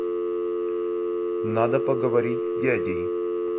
надо поговорить с дядей